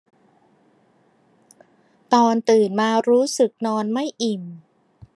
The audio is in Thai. ตอนตื่นมารู้สึกนอนไม่อิ่ม